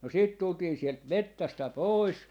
no sitten tultiin sieltä metsästä pois